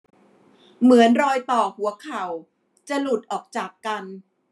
เหมือนรอยต่อหัวเข่าจะหลุดออกจากกัน